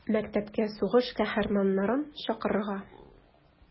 Мәктәпкә сугыш каһарманнарын чакырырга.